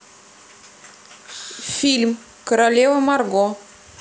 фильм королева марго